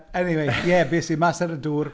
Eniwe ie, bues i mas ar y dŵr...